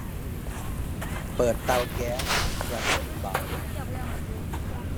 เปิดเตาแก๊สระดับเบา